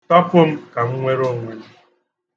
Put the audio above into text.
Tọpụ m ka m nwere onwe m.